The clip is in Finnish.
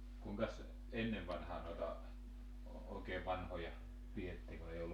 Kuinkas ennen vanhaan noita oikein vanhoja pidettiin kun ei ollut